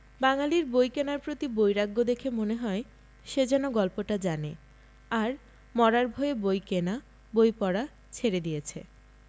বাঙালীর বই কেনার প্রতি বৈরাগ্য দেখে মনে হয় সে যেন গল্পটা জানে আর মরার ভয়ে বই কেনা বই পড়া ছেড়ে দিয়েছে